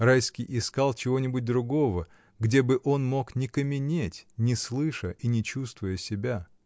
Райский искал чего-нибудь другого, где бы он мог не каменеть, не слыша и не чувствуя себя.